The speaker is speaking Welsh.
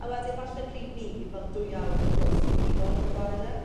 A wedyn falle pryd 'ny bydd fel dwy awr o gwsg yn ddigon i ga'l gwared e.